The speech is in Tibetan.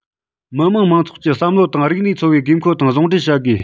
མི དམངས མང ཚོགས ཀྱི བསམ བློ དང རིག གནས འཚོ བའི དགོས མཁོ དང ཟུང འབྲེལ བྱ དགོས